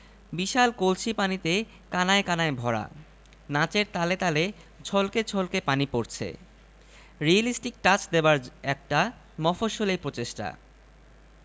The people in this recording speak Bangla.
ছােটখাট একটা বান ডেকে গেল টেজে প্রধান অতিথি এবং সম্মানিত সভাপতি যেহেতু ষ্টেজেই উপবিষ্ট ছিলেন কাজেই তাদেরকেও সেই জল স্পর্শ করল